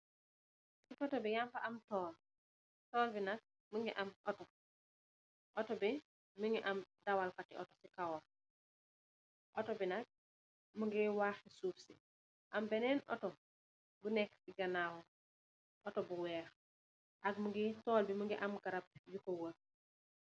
Foto bi yaañ fa am tool, tool bi nac, mu ngi am otto. Otto bi, mu ngi am dawal kati Otto si kowam. Otto bi nak, mu ngee waaxi suuf si. Am bénen Otto bu neek si ganaawam, Otto bu weex. Ak tool bi mu ngi ay garab yu co wër.